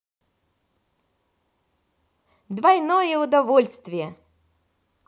двойное удовольствие